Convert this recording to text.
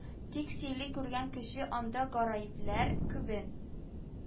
Тик сөйли күргән кеше анда гараибләр күбен,